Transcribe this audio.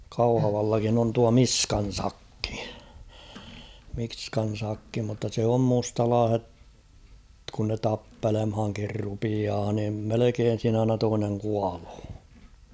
Kauhavallakin on tuo Miskan sakki Miskan sakki mutta se on mustalaiset kun ne tappelemaankin rupeaa niin melkein siinä aina toinen kuolee